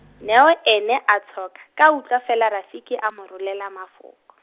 neo ene a tshoka, ka utlwa fela Rafiki a mo rolela mafoko.